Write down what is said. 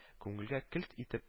Күңелгә келт итеп